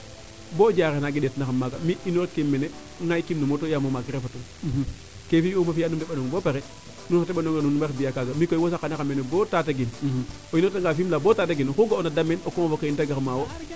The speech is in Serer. bo Diarekh naangi ndeta naxam maaga mi ino rit kiim mene ngaay kiim no moto yaam o maak refa tum kee fi'uma fiya num ndeɓanong bo pare nuun xa teɓanonga xe nuun mbar mbiya kaaga mi koy wo saqana xam mene bo Tatguine o inoor tanga mene Fimela bo Tataguine oxu ga'ona dameen o convoquer in te gar maa wo